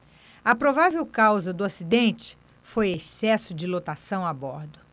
a provável causa do acidente foi excesso de lotação a bordo